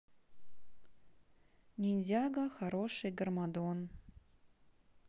ниндзяго хороший гармадон